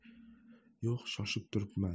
yo'q shoshib turibman